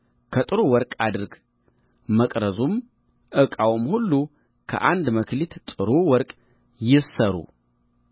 ከጥሩ ወርቅ አድርግ መቅረዙም ዕቃውም ሁሉ ከአንድ መክሊት ጥሩ ወርቅ ይሠሩ